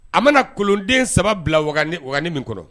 A mana kolonden saba bila min kɔrɔ